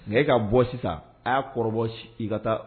Mɛ ka bɔ sisan a y'a kɔrɔbɔ i ka taa